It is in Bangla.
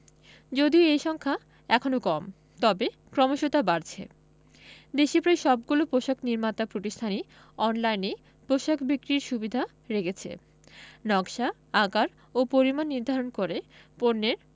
যদিও এ সংখ্যা এখনো কম তবে ক্রমশ তা বাড়ছে দেশি প্রায় সবগুলো পোশাক নির্মাতা প্রতিষ্ঠানই অনলাইনে পোশাক বিক্রির সুবিধা রেখেছে নকশা আকার ও পরিমাণ নির্ধারণ করে পণ্যের